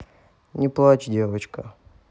не плачь девчонка